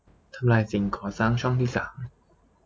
ทำลายสิ่งก่อสร้างช่องที่สาม